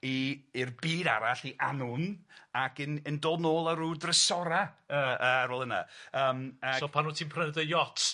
i i'r byd arall, i Annwn, ac yn yn dod nôl â ryw drysorau yy yy ar ôl yna yym ag... So pan wt ti'n prynu dy yacht...